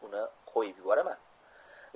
uni qo'yib yuboraman